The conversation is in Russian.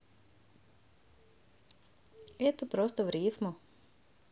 это просто в рифму